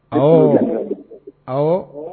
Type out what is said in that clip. Hɔn hɔn